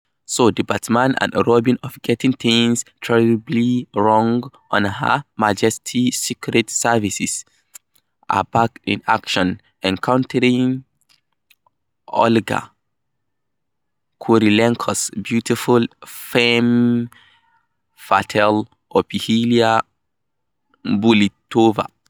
So the Batman and Robin of getting things terribly wrong on Her Majesty's Secret Service are back in action, encountering Olga Kurylenko's beautiful femme fatale Ophelia Bulletova.